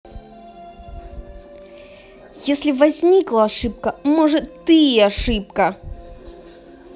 если возникла ошибка может ты и ошибка